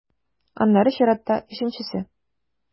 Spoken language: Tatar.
Аннары чиратта - өченчесе.